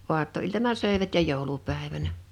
aattoiltana söivät ja joulupäivänä